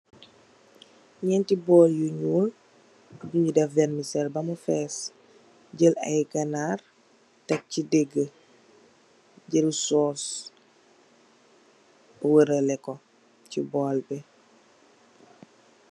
Ñénti bóól yu ñuul mugii def wermesel bam mu fees, jél ay ganarr tèk ci digibi jél sóós waraleh ko ci bóól bi.